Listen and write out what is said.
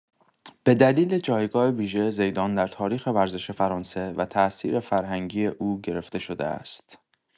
به دلیل جایگاه ویژه زیدان در تاریخ ورزش فرانسه و تاثیر فرهنگی او گرفته‌شده است.